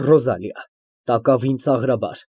ՌՈԶԱԼԻԱ ֊ (Տակավին ծաղրաբար)